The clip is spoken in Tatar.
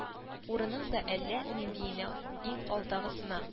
Урынның да әле ниндиенә иң алдагысына